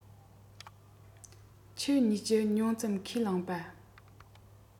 ཁྱོད གཉིས ཀྱིས ཉུང ཙམ ཁས བླངས པ